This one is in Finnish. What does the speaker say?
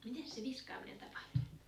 mites se viskaaminen tapahtui